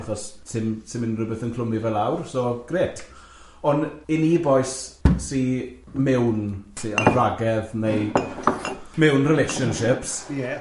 ...achos sim sim unrhywbeth yn clwmu fe lawr so grêt, ond i ni bois sy mewn, sy ar bragedd neu mewn relationships... Ie.